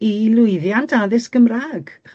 i lwyddiant addysg Gymra'g.